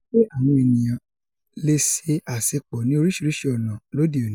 ó wípé ''Àwọn eniyan lesee àṣepọ̀ ní oríṣiríṣi ọ̀nà'', lóde òní.